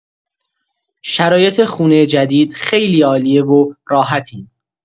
شرایط خونه جدید خیلی عالیه و راحتیم.